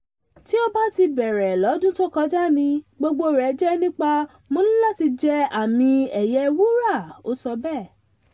"Tí o bá ti bèèrè lọ́dún tó kọja ni, gbogbo rẹ̀ jẹ́ nípa ‘Mo ní láti jẹ́ àmì ẹ̀yẹ wúra’,” ó sọ bẹ́ẹ̀.